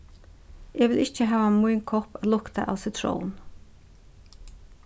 eg vil ikki hava mín kopp at lukta av sitrón